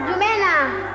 jumɛn na